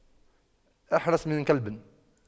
أحرس من كلب